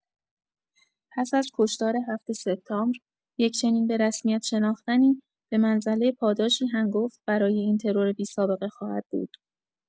پس از کشتار ۷ سپتامبر، یک چنین به‌رسمیت شناختنی، به منزله پاداشی هنگفت برای این ترور بی‌سابقه خواهد بود.